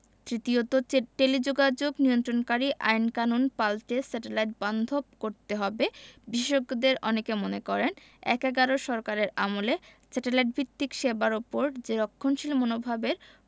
তৃতীয়ত টেলিযোগাযোগ নিয়ন্ত্রণকারী আইনকানুন পাল্টে স্যাটেলাইট বান্ধব করতে হবে বিশেষজ্ঞদের অনেকে মনে করেন এক–এগারোর সরকারের আমলে স্যাটেলাইট ভিত্তিক সেবার ওপর যে রক্ষণশীল মনোভাবের